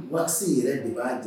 Waati yɛrɛ de b'a di